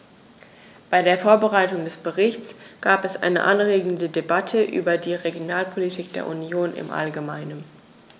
Bei der Vorbereitung des Berichts gab es eine anregende Debatte über die Regionalpolitik der Union im allgemeinen.